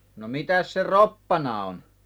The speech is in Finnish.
no mitäs se roppana on